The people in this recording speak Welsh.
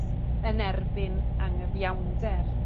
yn erbyn angyfiawnder.